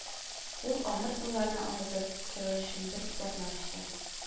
Ул, аныр уйларны онытып торыр өчен, бер китапны ачты